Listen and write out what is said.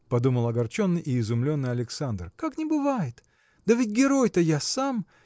– подумал огорченный и изумленный Александр, – как не бывает? да ведь герой-то я сам.